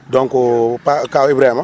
donc Ibrahima